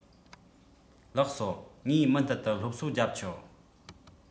ལགས སོ ངས མུ མཐུད དུ སློབ གསོ རྒྱབ ཆོག